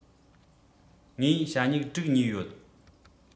ངས ཞྭ སྨྱུག དྲུག ཉོས ཡོད